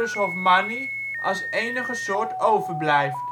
hoffmanni als enige soort overblijft